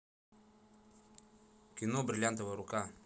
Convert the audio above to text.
кино бриллиантовая рука